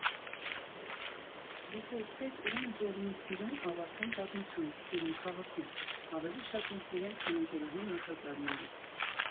Եթե էդպես, ուրեմն թող լինի սիրուն, ավարտուն պատմություն՝ սիրուն քաղաքում, ֊ ավելի շատ ինքն իրեն, քան ընկերուհուն ասաց Արմինեն։